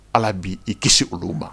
Ala b' i kisi olu ma